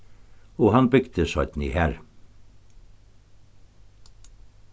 og hann bygdi seinni har